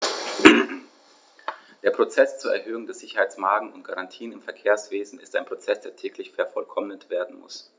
Der Prozess zur Erhöhung der Sicherheitsmargen und -garantien im Verkehrswesen ist ein Prozess, der täglich vervollkommnet werden muss.